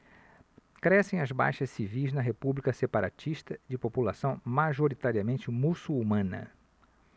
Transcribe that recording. crescem as baixas civis na república separatista de população majoritariamente muçulmana